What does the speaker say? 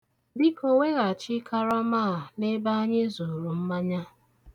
Biko weghachi karama a n'ebe anyị zụụrụ mmanya.